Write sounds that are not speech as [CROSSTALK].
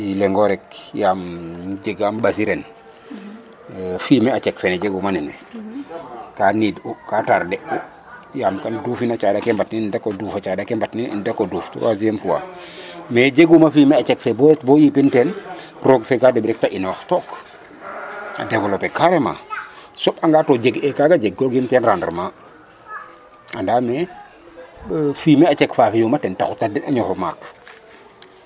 II leŋ o rek yaam jegaam ɓasi ren fumier a cek fe jeguma nene kaa niid'u, kaa tarede'u yaam kaam duufin a caaɗ ake mbatnin um dak o duuf a caaɗ ake mbatnin um dak o duuf 3eme fois mais yee jeguma fumier a cek fe bo yipin teen roog fe ka deɓ rek ta inoox took [NOISE] a développer ox caremment .A soɓ'anga to jeg'ee kaaga jegkiim teen rendement andaam e [HESITATION] fumier cek fa fi'uma ten taxu tarder fe ñof o maak .